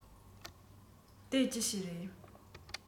དེ ཅི ཞིག རེད